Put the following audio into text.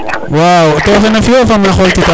waw tewo nam fio fo mam o xoytita